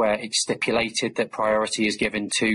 where it's stipulated that priority is given to